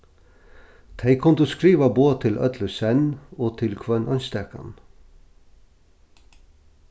tey kundu skriva boð til øll í senn og til hvønn einstakan